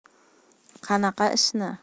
qanaqa ishni